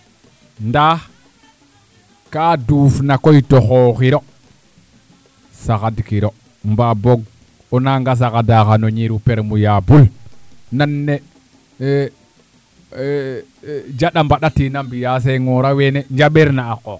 ndaa ka duufna koy to xooxiro saxadkiro mbaa boog o nanga saxdaa xan o ñiru permaillable nan ne Dianda Mbandatin a mbi'aa Sengora weene njɓeerna a qooq